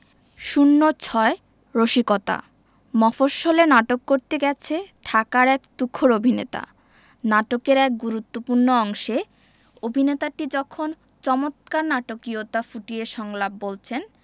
০৬ রসিকতা মফশ্বলে নাটক করতে গেছে ঢাকার এক তুখোর অভিনেতা নাটকের এক গুরুত্তপূ্র্ণ অংশে অভিনেতাটি যখন চমৎকার নাটকীয়তা ফুটিয়ে সংলাপ বলছেন